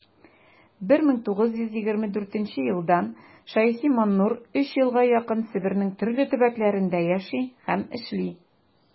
1924 елдан ш.маннур өч елга якын себернең төрле төбәкләрендә яши һәм эшли.